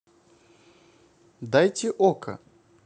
дайте okko